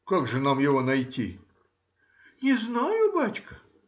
— Как же нам его найти? — Не знаю, бачка.